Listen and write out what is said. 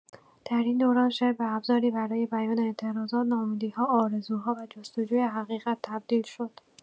در این دوران، شعر به ابزاری برای بیان اعتراضات، ناامیدی‌ها، آرزوها، و جست‌وجوی حقیقت تبدیل شد.